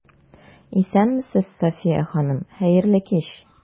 Исәнмесез, Сафия ханым, хәерле кич!